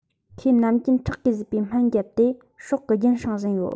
ཁོར ནམ རྒྱུན དུ ཁྲག གིས བཟོས པའི སྨན རྒྱབ ཏེ སྲོག གི རྒྱུན བསྲིང བཞིན ཡོད